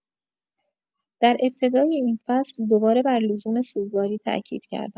در ابتدای این فصل، دوباره بر لزوم سوگواری تاکید کردم.